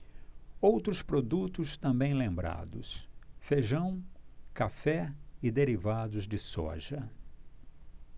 outros produtos também lembrados feijão café e derivados de soja